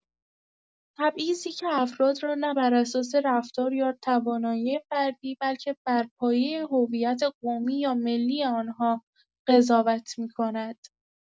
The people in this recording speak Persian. تبعیضی که افراد را نه بر اساس رفتار یا توانایی فردی، بلکه بر پایه هویت قومی یا ملی آن‌ها قضاوت می‌کند.